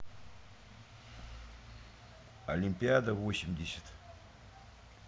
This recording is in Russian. олимпиада восемьдесят